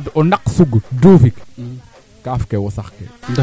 ` mboq mberaan naa njaw mberaan na a koom falakumta to